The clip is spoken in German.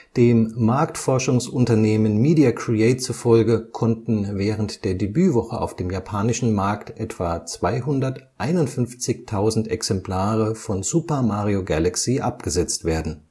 Dem Marktforschungsunternehmen Media Create zufolge konnten während der Debütwoche auf dem japanischen Markt etwa 251.000 Exemplare von Super Mario Galaxy abgesetzt werden